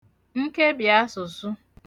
nkebìasụ̀sụ